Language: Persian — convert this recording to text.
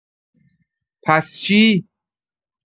پس چی؟